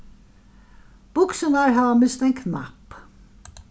buksurnar hava mist ein knapp